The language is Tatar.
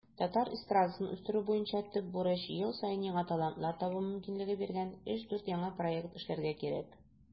Татар эстрадасын үстерү буенча төп бурыч - ел саен яңа талантлар табу мөмкинлеге биргән 3-4 яңа проект эшләргә кирәк.